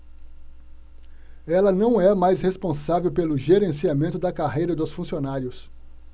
ela não é mais responsável pelo gerenciamento da carreira dos funcionários